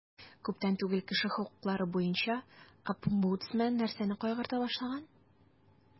Күптән түгел кеше хокуклары буенча омбудсмен нәрсәне кайгырта башлаган?